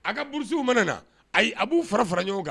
A kaurusiww mana na ayi a b'u fara fara ɲɔgɔn kan